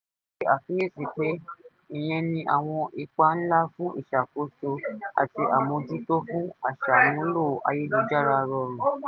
Ó ṣe àkíyèsí pé, "Ìyẹn ní àwọn ipa ńlá fún ìṣàkóso àti àmójútó àwọn amúṣàmúlò ayélujára rọrùn."